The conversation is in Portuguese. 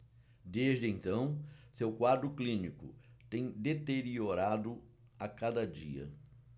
desde então seu quadro clínico tem deteriorado a cada dia